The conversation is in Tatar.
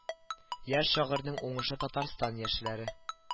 Яшь шагыйрьнең уңышы татарстан яшьләре